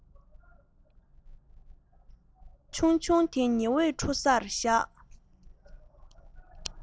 ཉི གློག ཆུང ཆུང དེ ཉི འོད འཕྲོ སར བཞག